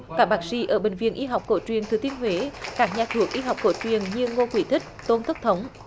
các bác sĩ ở bệnh viện y học cổ truyền thừa thiên huế các nhà thuốc y học cổ truyền như ngô quý thích tôn thức thống